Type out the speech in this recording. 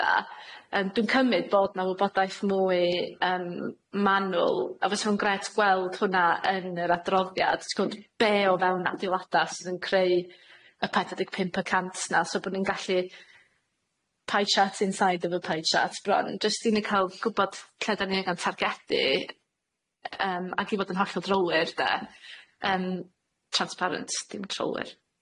Yym dwi'n cymryd bod 'na wybodaeth mwy yym manwl a fysa fo'n grêt gweld hwnna yn yr adroddiad t'gbod be' o fewn adeilada sydd yn creu y pedwar deg pump y cant 'na so bo' ni'n gallu pie chart inside of a pie chart bron, jyst i ni ca'l gwbod lle da ni angan targedu yym ac i fod yn hollol drylwyr de yym transparent dim trylwyr.